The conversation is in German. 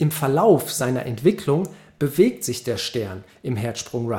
Verlauf seiner Entwicklung bewegt sich der Stern im Hertzsprung-Russell-Diagramm